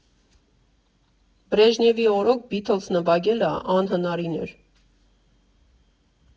Բրեժնևի օրոք Բիթլզ նվագելը անհնարին էր։